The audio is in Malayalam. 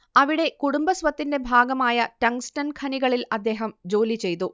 അവിടെ കുടുംബസ്വത്തിന്റെ ഭാഗമായ ടങ്ങ്സ്ടൻ ഖനികളിൽ അദ്ദേഹം ജോലിചെയ്തു